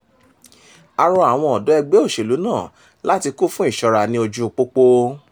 A rọ àwọn ọ̀dọ́ ẹgbẹ́ òṣèlú náà láti kún fún ìṣọ́ra ní ojúu pópó.